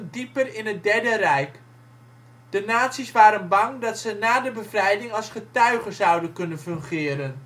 dieper in het Derde Rijk. De nazi 's waren bang dat ze na de bevrijding als getuigen zouden kunnen fungeren